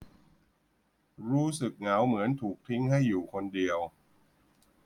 รู้สึกเหงาเหมือนถูกทิ้งให้อยู่คนเดียว